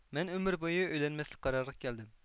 مەن ئۆمۈربويى ئۆيلەنمەسلىك قارارىغا كەلدىم